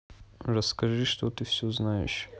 расскажи что ты все знаешь